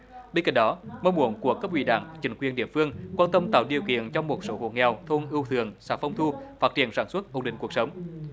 bên cạnh đó mong muốn của cấp ủy đảng chính quyền địa phương quan tâm tạo điều kiện cho một số hộ nghèo thôn ưu thường xã phong thu phát triển sản xuất ổn định cuộc sống